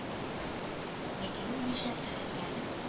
Ләкин ул нишләптер этләрнең